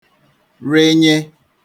renyē